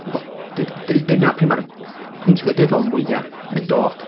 Wa- dyd- dyna pryd ma'r pwynt gwleidyddol mwya yn dod.